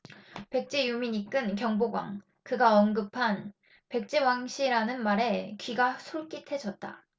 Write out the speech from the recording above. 백제 유민 이끈 경복왕그가 언급한 백제왕씨란 말에 귀가 솔깃해졌다